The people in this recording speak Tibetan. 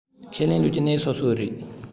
ཁས ལེན ལུས ཀྱི གནས སོ སོའི རེད